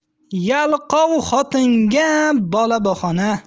yalqov xotinga bola bahona